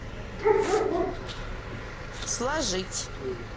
сложить